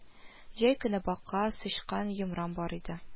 Җәй көне бака, сычкан, йомран бар иде